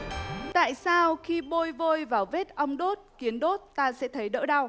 tại sao khi bôi vôi vào vết ong đốt kiến đốt ta sẽ thấy đỡ đau